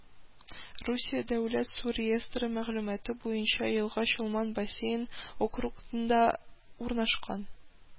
Русия дәүләт су реестры мәгълүматы буенча елга Чулман бассейн округында урнашкан